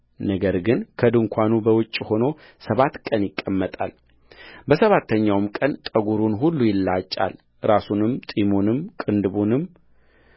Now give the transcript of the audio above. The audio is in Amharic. ነገር ግን ከድንኳኑ በውጭ ሆኖ ሰባት ቀን ይቀመጣልበሰባተኛውም ቀን ጠጕሩን ሁሉ ይላጫል ራሱንም ጢሙንም ቅንድቡንም